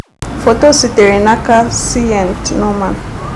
Foto sitere n'aka Syed Noman.